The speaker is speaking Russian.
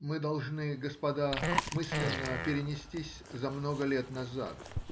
— Мы должны, господа, мысленно перенестись за много лет назад